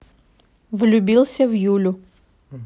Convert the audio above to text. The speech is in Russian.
влюбился в юлю